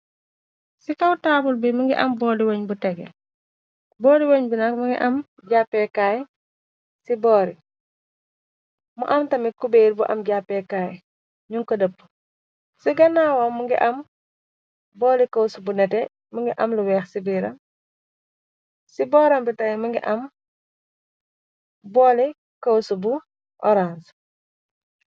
Ci kaw taabul bi mi ngi am booli weñ bu tege. Booli weñ bi nag mu ngi am jàppekaay ci booram. Mu am tamit kubeir bu am jàppekaay ñun ko dëpp ci ganawam. Mu ngi am booli këwsu bu nete mi ngi am luweex ci biiram.ci booram bi tam mi ngi am booli këwsu bu orange.